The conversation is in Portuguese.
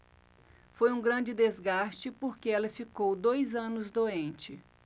foi um grande desgaste porque ela ficou dois anos doente